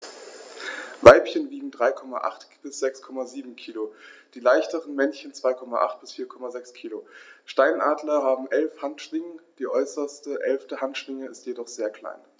Weibchen wiegen 3,8 bis 6,7 kg, die leichteren Männchen 2,8 bis 4,6 kg. Steinadler haben 11 Handschwingen, die äußerste (11.) Handschwinge ist jedoch sehr klein.